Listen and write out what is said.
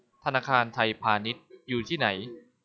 ธนาคารไทยพาณิชย์อยู่ที่ไหน